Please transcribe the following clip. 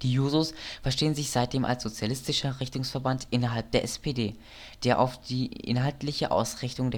Jusos verstehen sich seitdem als „ sozialistischer Richtungsverband “innerhalb der SPD, der auf die inhaltliche Ausrichtung